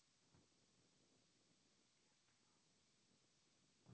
тебе на хуй